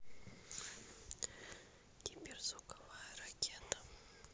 гиперзвуковая ракета